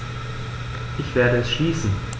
Ich werde es schließen.